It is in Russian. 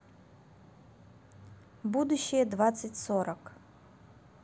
будущее двадцать сорок